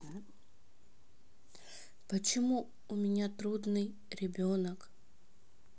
помогите у меня трудный ребенок